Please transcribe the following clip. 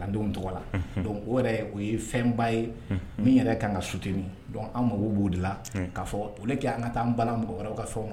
A denw tɔgɔ la. Unhun. Donc o yɛrɛ o ye fɛnba ye. Unhun. min yɛrɛ kan ka soutenu donc an mago b'o de la k'a fɔ au lieu que an ka t'an balan mɔgɔwɛrɛw ka fɛnw na